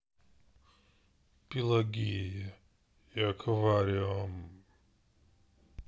пелагея и аквариум